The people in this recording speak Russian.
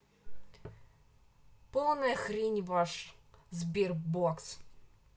полная хрень ваш sberbox